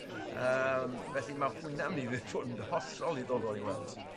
Yym felly ma' hwnna yn myn' i dd- fod yn hollol ddiddorol i weld.